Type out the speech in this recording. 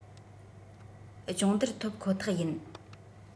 སྦྱོང བརྡར ཐོབ ཁོ ཐག ཡིན